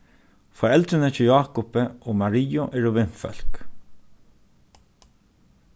foreldrini hjá jákupi og mariu eru vinfólk